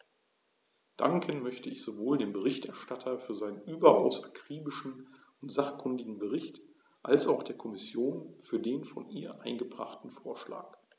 Danken möchte ich sowohl dem Berichterstatter für seinen überaus akribischen und sachkundigen Bericht als auch der Kommission für den von ihr eingebrachten Vorschlag.